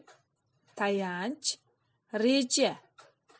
tayanch reja